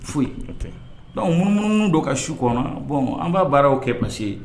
Foyi dɔnc munumunu don ka su ko an na bɔn an b'a baaraw kɛ parce que